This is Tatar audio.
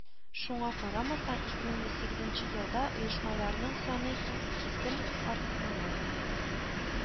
Шуңа карамастан, ике мең дә сигезенче елда оешмаларның саны кискен артмаган